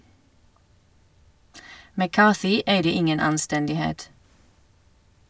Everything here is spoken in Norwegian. McCarthy eide ingen anstendighet.